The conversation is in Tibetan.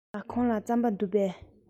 ཟ ཁང ལ རྩམ པ འདུག གས